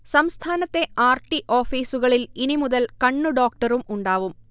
സംസ്ഥാനത്തെ R. T ഓഫീസുകളിൽ ഇനി മുതൽ കണ്ണുഡോക്ടറും ഉണ്ടാവും